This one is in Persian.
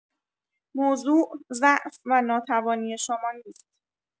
موضوع ضعف و ناتوانی شما نیست.